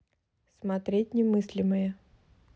смотреть немыслимое